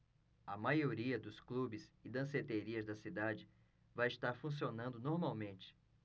a maioria dos clubes e danceterias da cidade vai estar funcionando normalmente